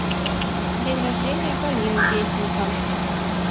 день рождения полины песенка